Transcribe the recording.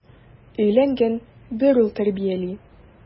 Өйләнгән, бер ул тәрбияли.